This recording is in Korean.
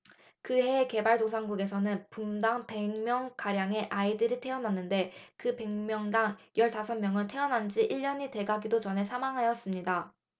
그 해에 개발도상국들에서는 분당 백 명가량의 아이들이 태어났는데 그 백 명당 열 다섯 명은 태어난 지 일 년이 되기도 전에 사망하였습니다